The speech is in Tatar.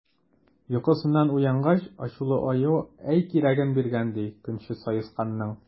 Йокысыннан уянгач, ачулы Аю әй кирәген биргән, ди, көнче Саесканның!